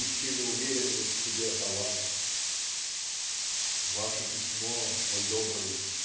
еще не уверенный в себе талант. "Ваше письмо мой добрый